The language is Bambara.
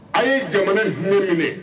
A' ye jamana hinɛ minɛ ye